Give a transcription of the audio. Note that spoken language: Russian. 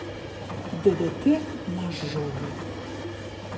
ддт мажоры